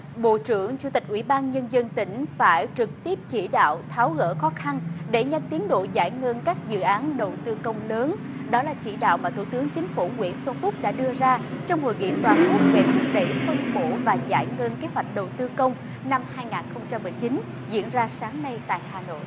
bộ trưởng chủ tịch ủy ban nhân dân tỉnh phải trực tiếp chỉ đạo tháo gỡ khó khăn đẩy nhanh tiến độ giải ngân các dự án đầu tư công lớn đó là chỉ đạo mà thủ tướng chính phủ nguyễn xuân phúc đã đưa ra trong hội nghị toàn quốc về thúc đẩy phân bổ và giải ngân kế hoạch đầu tư công năm hai ngàn không trăm mười chín diễn ra sáng nay tại hà nội